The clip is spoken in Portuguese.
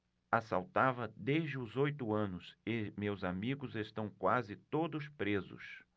assaltava desde os oito anos e meus amigos estão quase todos presos